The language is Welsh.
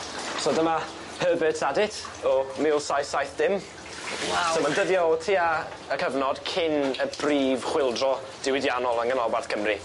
So dyma Herbert's Adit o mil saith saith dim. Waw. So ma'n dyddio o tua y cyfnod cyn y brif chwyldro diwydiannol yng nganolbarth Cymru.